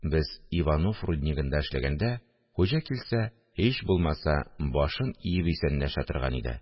Без Иванов руднигында эшләгәндә, хуҗа килсә, һич булмаса, башын иеп исәнләшә торган иде